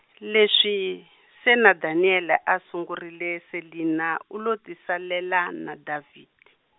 leswi, se na Daniel a a sungurile Selinah u lo tisalela na David.